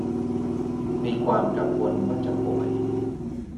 มีความกังวลว่าจะป่วย